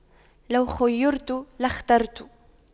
لو خُيِّرْتُ لاخترت